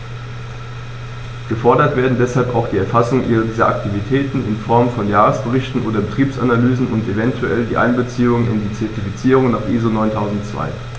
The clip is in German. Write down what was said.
Gefordert werden deshalb auch die Erfassung dieser Aktivitäten in Form von Jahresberichten oder Betriebsanalysen und eventuell die Einbeziehung in die Zertifizierung nach ISO 9002.